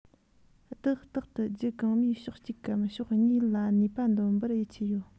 བདག རྟག ཏུ རྒྱུད གོང མའི ཕྱོགས གཅིག གམ ཕྱོགས གཉིས ལ ནུས པ འདོན པར ཡིད ཆེས ཡོད